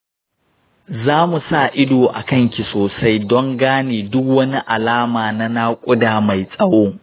zamu sa ido akan ki sosai don gane duk wani alama na naƙuda mai tsawo